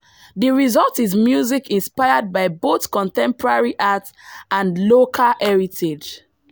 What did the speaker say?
The result is music inspired by both contemporary art and local heritage.